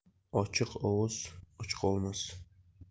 ochiq og'iz och qolmas